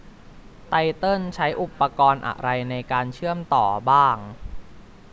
ไตเติ้ลใช้อุปกรณ์อะไรในการเชื่อมต่อบ้าง